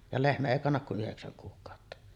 ja lehmä ei kanna kuin yhdeksän kuukautta